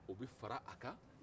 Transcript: o bɛ far'a kan